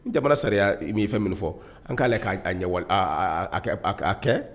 N jamana sariya i m'i fɛn min fɔ an k'aale k' ɲɛwale k'a kɛ